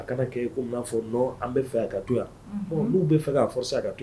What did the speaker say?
A kana kɛ comme n'a fɔ non an bɛ fɛ ka to yan, ɔn n'u bɛ fɛ ka forcer a ka to